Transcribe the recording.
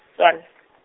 -twan- .